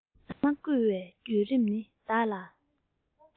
ཟ མ བརྐུ བའི བརྒྱུད རིམ ནི བདག ལ